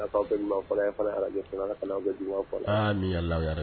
Ami ya Allahou ya rabi